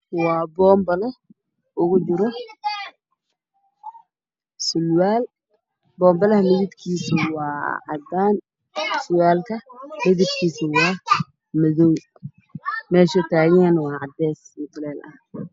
Waa boonbale ugu jiro surwaal boonbalaha midabkiisu waa caddaan surwaal ka midabkiisu waa madow meeshuu taaganyahayna waa cadees mutuleel ah